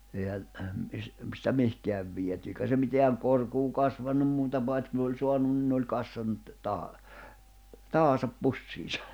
eihän sitä mihinkään viety eikä se mitään korkoa kasvanut muuta paitsi kun oli saanut niin oli kassannut tähän taaksensa pussiinsa